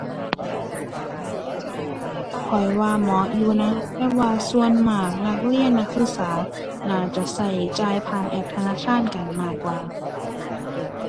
ข้อยว่าเหมาะอยู่นะ แต่ว่าส่วนมากนักเรียน นักศึกษา น่าจะใช้จ่ายผ่านแอปธนาคารกันมากกว่า